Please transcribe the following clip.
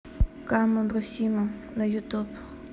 кама брусима на ютюб